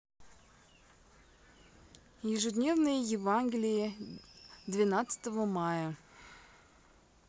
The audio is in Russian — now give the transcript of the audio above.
ежедневные евангелие двенадцатого мая